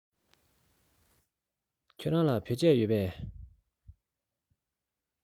ཁྱེད རང ལ བོད ཆས ཡོད པས